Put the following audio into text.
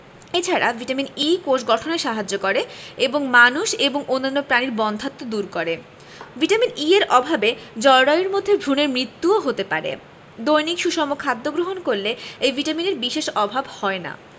এ ছাড়া vitamin E কোষ গঠনে সাহায্য করে এবং মানুষ এবং অন্যান্য প্রাণীর বন্ধ্যাত্ব দূর করে ভিটামিন E এর অভাবে জরায়ুর মধ্যে ভ্রুনের মৃত্যুও হতে পারে দৈনিক সুষম খাদ্য গ্রহণ করলে এই ভিটামিনের বিশেষ অভাব হয় না